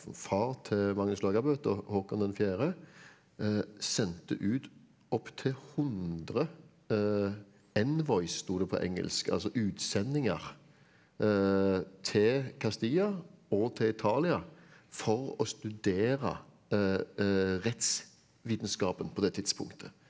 far til Magnus Lagabøte Håkon den fjerde sendte ut opp til 100 stod det på engelsk altså utsendinger til Castilla og til Italia for å studere rettsvitenskapen på det tidspunktet.